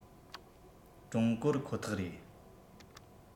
ཀྲུང གོར ཁོ ཐག རེད